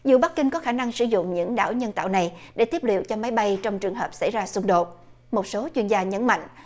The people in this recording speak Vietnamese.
dù bắc kinh có khả năng sử dụng những đảo nhân tạo này để tiếp liệu cho máy bay trong trường hợp xảy ra xung đột một số chuyên gia nhấn mạnh